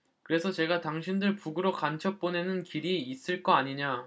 그래서 제가 당신들 북으로 간첩 보내는 길이 있을 거 아니냐